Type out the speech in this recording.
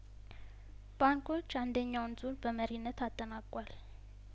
ባንኮች አንደኛውን ዙር በመሪነት አጠናቋል